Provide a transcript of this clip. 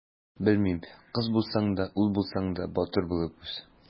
Белмим: кыз булсаң да, ул булсаң да, батыр булып үс!